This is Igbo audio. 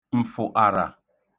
m̀fụ̀tàrà